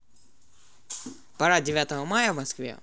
парад девятого мая в москве